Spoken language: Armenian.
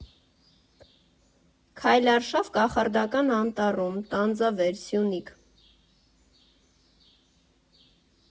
Քայլարշավ կախարդական անտառում, Տանձավեր, Սյունիք։